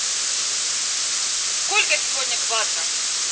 сколько сегодня кватро